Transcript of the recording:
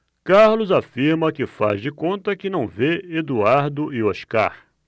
carlos afirma que faz de conta que não vê eduardo e oscar